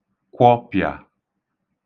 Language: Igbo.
kwọpịà